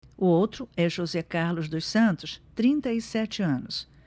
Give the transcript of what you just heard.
o outro é josé carlos dos santos trinta e sete anos